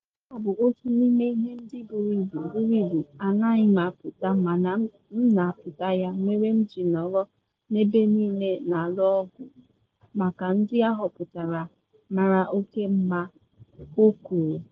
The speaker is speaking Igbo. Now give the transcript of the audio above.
Nke a bụ otu n’ime ihe ndị buru ibu, buru ibu -- anaghị m apụta mana m na apụta ya mere m ji nọrọ n’ebe niile na alụ ọgụ maka ndị ahọpụtara mara oke mma, “o kwuru.